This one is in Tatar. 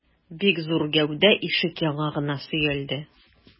Бик зур гәүдә ишек яңагына сөялде.